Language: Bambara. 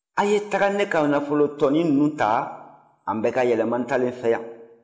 a' ye taga ne ka nafolo tɔ ninnu ta an bɛka yɛlɛma ntalen fɛ yan